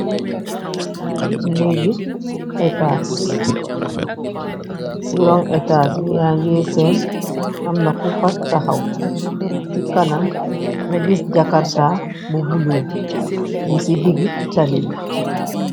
neggi ethas ci rong ethas bi yangi seen amna kufa taxaw ci kanan nga gis jakarta bu bulu nun ci diggi tali bi